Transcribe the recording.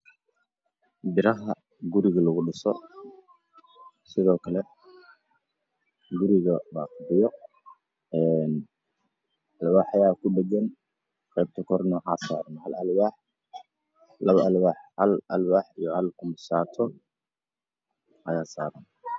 Biraha guriga lagu dhiso sidoo kaleh Guriga baa fadhiyo alwaaxyo aa ku dhagan qaybta korena waxaa saran hal alwaax labo alwaax hal alwaax iyo hal qunsaato ayaa saran